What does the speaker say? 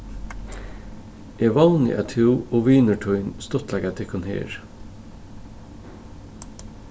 eg vóni at tú og vinur tín stuttleika tykkum her